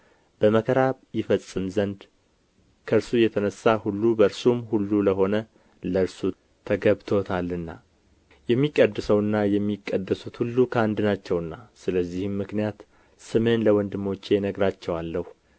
በመከራ ይፈጽም ዘንድ ከእርሱ የተነሣ ሁሉ በእርሱም ሁሉ ለሆነ ለእርሱ ተገብቶታልና የሚቀድሰውና የሚቀደሱት ሁሉ ከአንድ ናቸውና ስለዚህም ምክንያት ስምህን ለወንድሞቼ እነግራቸዋለሁ